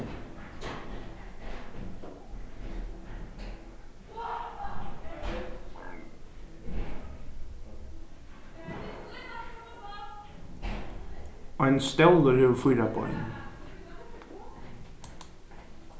ein stólur hevur fýra bein